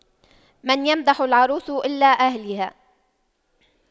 من يمدح العروس إلا أهلها